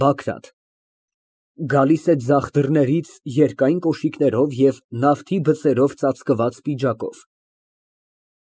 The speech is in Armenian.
ԲԱԳՐԱՏ ֊ (Գալիս է ձախ դռնից, երկայն կոշիկներով և նավթի բծերով ծածկված պիջակով։